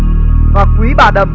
và quý bà đầm